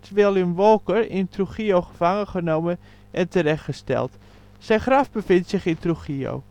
William Walker in Trujillo gevangen genomen en terecht gesteld. Zijn graf bevindt zich in Trujillo